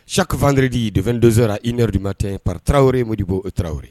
Sap2gedi de2dera iinardi matɛ pata tarawelerawo yee m bɔ oo tarawelerawo ye